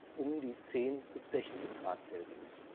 um die 10 bis 16 °C